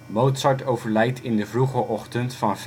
Mozart overlijdt in de vroege ochtend van